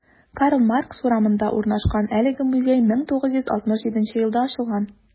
Карл Маркс урамында урнашкан әлеге музей 1967 елда ачылган.